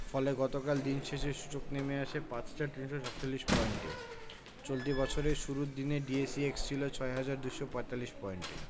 ফলে গতকাল দিন শেষে সূচক নেমে আসে ৫ হাজার ৩৪৭ পয়েন্টে চলতি বছরের শুরুর দিনে ডিএসইএক্স ছিল ৬ হাজার ২৫৪ পয়েন্টে